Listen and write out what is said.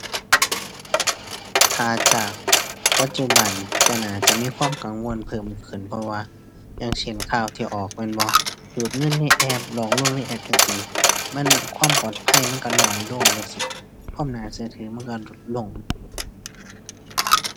ถ้าจากปัจจุบันก็น่าจะมีความกังวลเพิ่มขึ้น เพราะว่าอย่างเช่น ข่าวที่ออกแม่นบ่ ดูดเงินในแอป หลอกลวงในแอปจั่งซี้ มัน ความปลอดภัยมันก็น้อยลงจั่งซี้ ความน่าก็ถือมันก็ลดลง